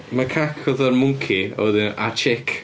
Macaque fatha mwnci a wedyn a chick.